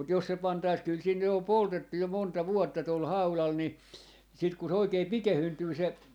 mutta jos se pantaisiin kyllä siinä nyt on poltettu jo monta vuotta tuolla haudalla niin sitten kun se oikein pikeentyy se